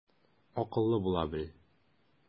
Акыллы була бел.